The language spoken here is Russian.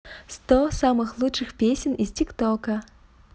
сто самых лучших песен из тик тока